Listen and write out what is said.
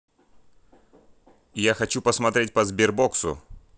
я хочу посмотреть по сбербоксу